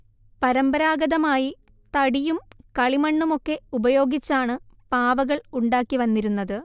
പരമ്പരാഗതമായി തടിയും കളിമണ്ണുമൊക്കെ ഉപയോഗിച്ചാണ് പാവകൾ ഉണ്ടാക്കി വന്നിരുന്നത്